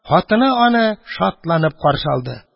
Хатыны аны шатланып каршы алды: